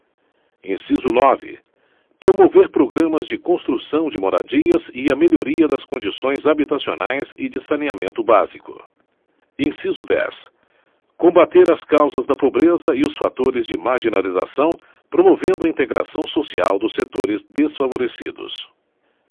inciso nove promover programas de construção de moradias e a melhoria das condições habitacionais e de saneamento básico inciso dez combater as causas da pobreza e os fatores de marginalização promovendo a integração social dos setores desfavorecidos